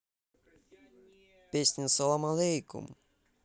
песня салам алейкум